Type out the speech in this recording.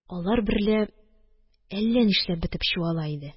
Алар берлә әллә нишләп бетеп чуала иде